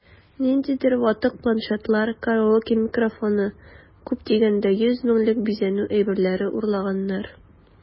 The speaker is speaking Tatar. Ниндидер ватык планшетлар, караоке микрофоны(!), күп дигәндә 100 меңлек бизәнү әйберләре урлаганнар...